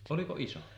oliko iso